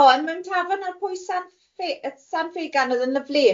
O a ma'n tafarn ar pwy San F- San Fugan oedd yn lyfli.